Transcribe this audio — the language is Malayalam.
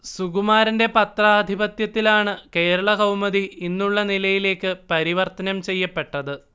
സുകുമാരന്റെ പത്രാധിപത്യത്തിലാണ് കേരളകൗമുദി ഇന്നുള്ള നിലയിലേക്ക് പരിവർത്തനം ചെയ്യപ്പെട്ടത്